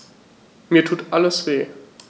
Mir tut alles weh.